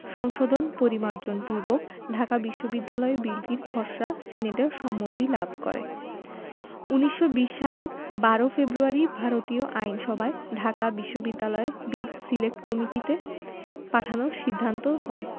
সংশোধন পরিমার্জন পূর্বক ঢাকা বিশ্ববিদ্যালয় বিলটির খসড়া সিনেটের সম্মতি লাভ করে ১৯২০ সালের ১২ ফেব্রুয়ারি ভারতীয় আইনসভায় ঢাকা বিশ্ববিদ্যালয় বিল সিলেক্ট কমিটিতে পাঠানোর সিদ্ধান্ত হয়